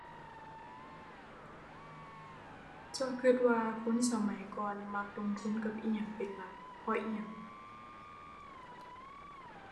เจ้าคิดว่าคนสมัยก่อนมักลงทุนกับอิหยังเป็นหลัก เพราะอิหยัง